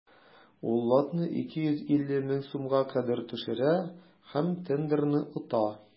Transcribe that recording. Ул лотны 250 мең сумга кадәр төшерә һәм тендерны ота.